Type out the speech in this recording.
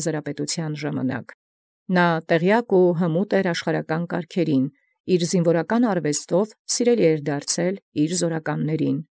Հայոց՝ Առաւանայ ուրումն։ Տեղեկացեալ և հմուտ եղեալ աշխարհական կարգաց, ցանկալի եղեալ զինուորական արուեստիւն իւրոց զաւրականանց։